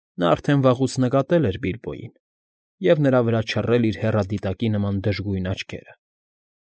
Նա արդեն վաղուց նկատել էր Բիլբոյին և նրա վրա չռել իր հեռադիտակի նման դժգույն աչքերը։